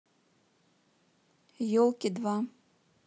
елки два